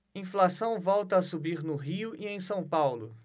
inflação volta a subir no rio e em são paulo